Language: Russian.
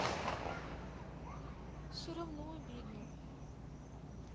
все равно обидно